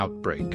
Outbreak.